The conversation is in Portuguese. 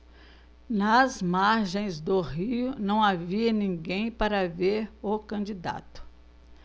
nas margens do rio não havia ninguém para ver o candidato